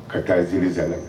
Ka taa Zerizalɛmu